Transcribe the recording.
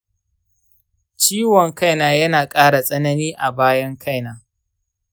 ciwon kaina yana ƙara tsanani a bayan kaina.